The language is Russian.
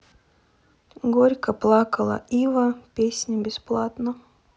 горько плакала ива песня бесплатно